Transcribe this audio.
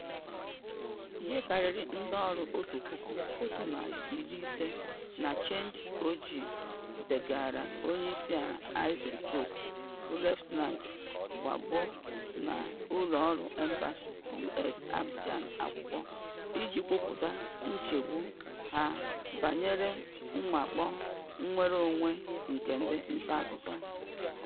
Ihe karịrị ndịọrụ 1,150 na Change.org degaara Onyeisiala Ivory Coast bụ́ Laurent Gbagbo na Ụlọọrụ Embassy US n'Abidjan akwụkwọ iji kwupụta nchegbu ha banyere mwakpo nnwereonwe nke ndị ntaakụkọ.